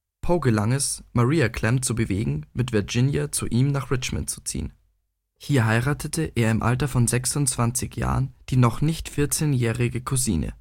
Poe gelang es, Maria Clemm zu bewegen, mit Virginia zu ihm nach Richmond zu ziehen. Hier heiratete er im Alter von 26 Jahren die noch nicht 14-jährige Cousine